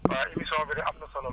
waaw émission bi de am na solo